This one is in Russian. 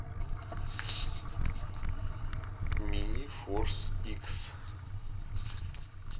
мини форс икс